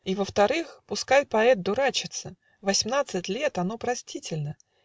А во-вторых: пускай поэт Дурачится; в осьмнадцать лет Оно простительно.